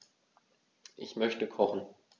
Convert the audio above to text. Ich möchte kochen.